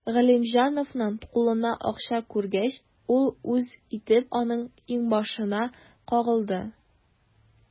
Галимҗановның кулында акча күргәч, ул үз итеп аның иңбашына кагылды.